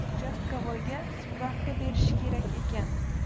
uchastkovoyga spravka berishi kerak ekan